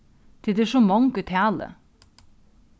tit eru so mong í tali